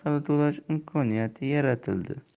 orqali to'lash imkoniyati yaratildi